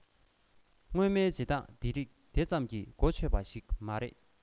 སྔོན མའི བྱེད སྟངས དེ རིགས དེ ཙམ གྱིས གོ ཆོད པ ཞིག མ རེད